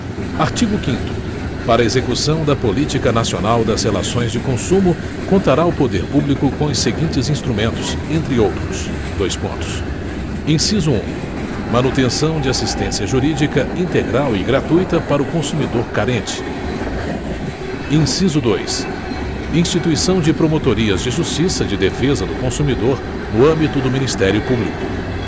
artigo quinto para a execução da política nacional das relações de consumo contará o poder público com os seguintes instrumentos entre outros dois pontos inciso um manutenção de assistência jurídica integral e gratuita para o consumidor carente inciso dois instituição de promotorias de justiça de defesa do consumidor no âmbito do ministério público